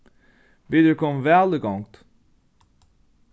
vit eru komin væl í gongd